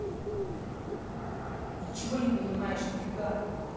ничего не понимаешь нифига